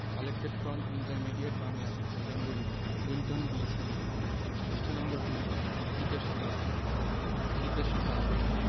collected from intermediate Bangla Bengali Clinton B Seely পৃষ্ঠা number ২ শীতের সকাল শীতের সকাল